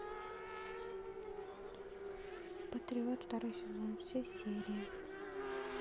патриот второй сезон все серии